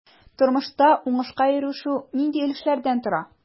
Тормышта уңышка ирешү нинди өлешләрдән тора?